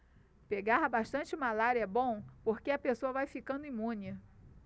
pegar bastante malária é bom porque a pessoa vai ficando imune